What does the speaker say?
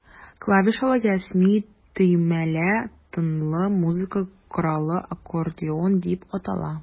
Клавишалы, яисә төймәле тынлы музыка коралы аккордеон дип атала.